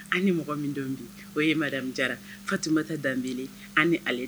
An ni mɔgɔ min bi o ye madamuja fa tunba taa danb an ni ale